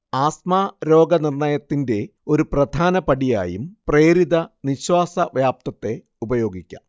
asthma രോഗനിർണയത്തിന്റെ ഒരു പ്രധാന പടിയായും പ്രേരിത നിശ്വാസ വ്യാപ്തത്തെ ഉപയോഗിക്കാം